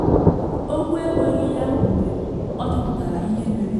Okwu ekweghị ya mgbe ọ chọpụtara ihe mere.